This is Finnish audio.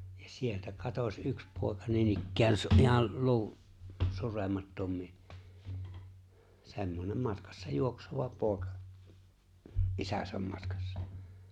ja sieltä katosi yksi poika niinikään se oli ihan - suremattomiin semmoinen matkassa juokseva poika isänsä matkassa